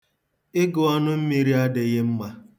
Ịgụ ọnụmmiri adịghị mma.